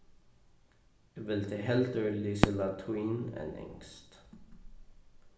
eg vildi heldur lisið latín enn enskt